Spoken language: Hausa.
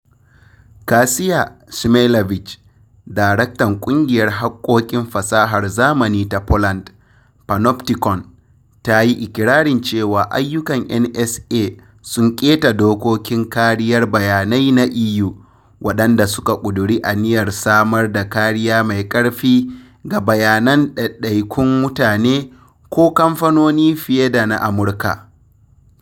Kasia Szymielewicz, daraktan ƙungiyar haƙƙoƙin fasahar zamani ta Poland, Panoptykon, ta yi iƙirarin cewa ayyukan NSA sun keta dokokin kariyar bayanai na EU, waɗanda suka ƙuduri aniyar samar da kariya mai ƙarfi ga bayanan ɗaiɗaikun mutane ko kamfanoni fiye da na Amurka.